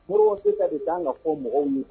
Modibo Keyita de kan ka fɔ mɔgɔw ye